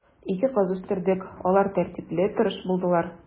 Ике кыз үстердек, алар тәртипле, тырыш булдылар.